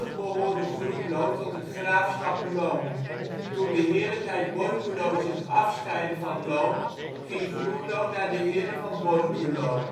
behoorde Groenlo tot het graafschap Lohn. Toen de Heerlijkheid Borculo zich afscheidde van Lohn, ging Groenlo naar de Heren van Borculo